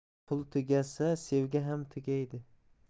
pul tugasa sevgi ham tugaydi